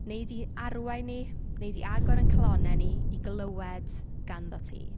Wnei di'n arwain ni, wnei di agor ein calonnau ni i glywed ganddot ti?